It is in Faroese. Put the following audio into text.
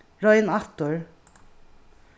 royn aftur